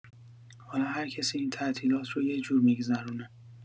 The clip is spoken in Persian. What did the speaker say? حالا هر کسی این تعطیلات رو یه جور می‌گذرونه.